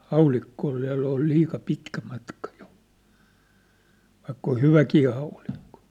haulikko oli vielä oli liian pitkä matka jo vaikka on hyväkin haulikko